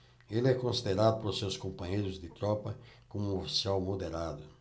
ele é considerado por seus companheiros de tropa como um oficial moderado